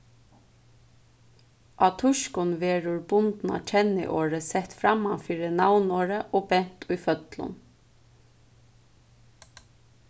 á týskum verður bundna kenniorðið sett frammanfyri navnorðið og bent í føllum